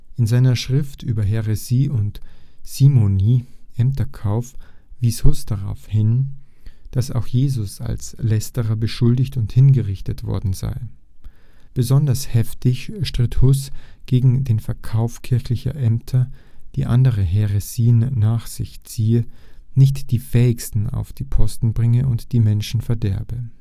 In seiner Schrift über Häresie und Simonie (Ämterkauf) wies Hus darauf hin, dass auch Jesus als Lästerer beschuldigt und hingerichtet worden sei. Besonders heftig stritt Hus gegen den Verkauf kirchlicher Ämter, die andere Häresien nach sich ziehe, nicht die Fähigsten auf die Posten bringe und die Menschen verderbe